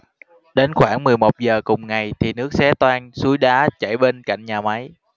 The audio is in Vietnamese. đến khoảng mười một giờ cùng ngày thì nước xé toang suối đá chảy bên cạnh nhà máy